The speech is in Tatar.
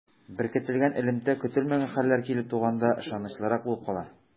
Беркетелгән элемтә көтелмәгән хәлләр килеп туганда ышанычлырак булып кала.